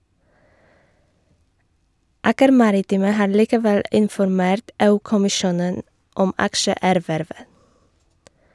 Aker Maritime har likevel informert EU-kommisjonen om aksjeervervet.